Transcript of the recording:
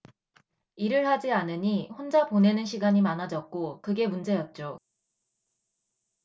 일을 하지 않으니 혼자 보내는 시간이 많아졌고 그게 문제였죠